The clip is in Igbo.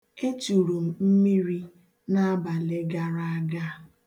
Echuru m mmiri n'abalị gara aga.